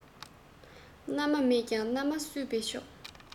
མནའ མ མེད ཀྱང མནའ མ བསུས པས ཆོག